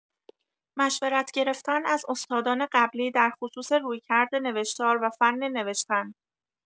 مشورت گرفتن از استادان قبلی در خصوص رویکرد نوشتار و فن نوشتن